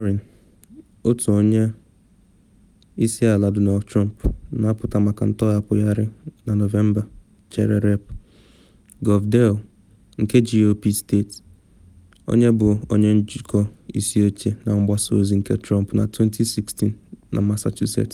Warren, otu onye nkọtọ Onye Isi Ala Donald Trump, na apụta maka nhọpụtagharị na Nọvemba chere Rep. Geoff Diehl nke GOP steeti, onye bụ onye njikọ isi oche nke mgbasa ozi nke Trump na 2016 na Massachusetts.